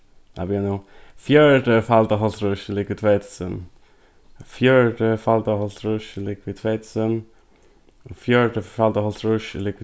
nei bíða nú fjøruti falda hálvtrýss ligvið tvey túsund fjøruti falda hálvtrýss er ligvið tvey túsund fjøruti falda hálvtrýss er ligvið